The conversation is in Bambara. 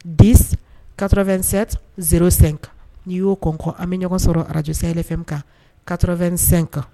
10 87 05 n'i y'o kɔnkɔn an bɛ ɲɔgɔn sɔrɔ radio sahel FM kan 85